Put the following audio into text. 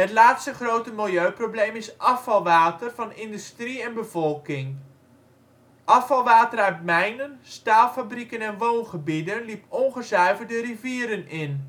laatste grote milieuprobleem is afvalwater van industrie en bevolking. Afvalwater uit mijnen, staalfabrieken en woongebieden liep ongezuiverd de rivieren in